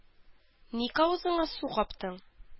Ник авызыңа су каптың?